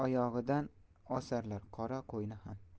oyog'idan osarlar qora qo'yni ham